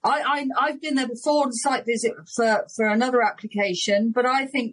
I I'm I've been there before on a site visit for for another application, but I think